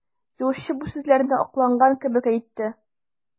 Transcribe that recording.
Юлчы бу сүзләрне акланган кебек әйтте.